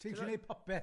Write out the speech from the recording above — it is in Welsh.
Ti'n gallu neud popeth...